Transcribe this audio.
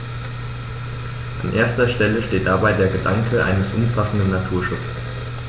An erster Stelle steht dabei der Gedanke eines umfassenden Naturschutzes.